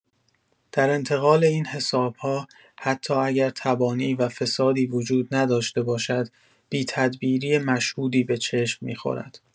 در انتقال این حساب‌ها حتی اگر تبانی و فسادی وجود نداشته باشد، بی‌تدبیری مشهودی به چشم می‌خورد.